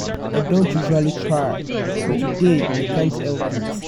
"I don't usually cry but today I can't help it.